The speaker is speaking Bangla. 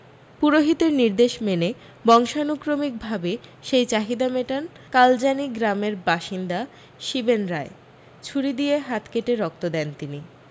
পুরোহিতের নির্দেশ মেনে বংশানুক্রমিকভাবে সেই চাহিদা মেটান কালজানি গ্রামের বাসিন্দা শিবেন রায় ছুরি দিয়ে হাত কেটে রক্ত দেন তিনি